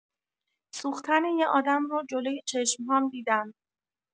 سوختن یه آدم رو جلوی چشم‌هام دیدم.